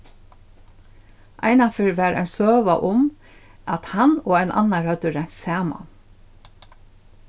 einaferð var ein søga um at hann og ein annar høvdu rent saman